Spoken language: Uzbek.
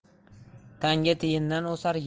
tanga tiyindan o'sar